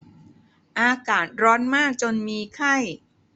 อากาศร้อนมากจนมีไข้